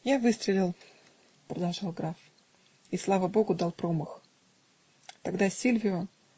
)-- Я выстрелил, -- продолжал граф, -- и, слава богу, дал промах тогда Сильвио.